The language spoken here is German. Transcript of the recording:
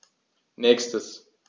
Nächstes.